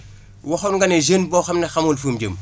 waxoon nga ne jeunes boo xam ne xamul fu mu jëm